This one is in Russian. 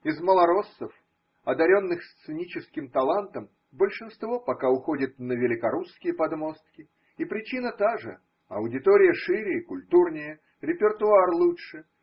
Из малороссов, одаренных сценическим талантом, большинство пока уходит на велокорусские подмостки, и причина та же: аудитория шире и культурнее, репертуар лучше.